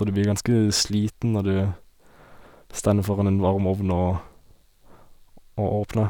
Og du blir ganske sliten når du stende foran en varm ovn og og åpner.